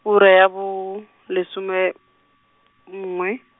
ura ya bo, lesome, nngwe.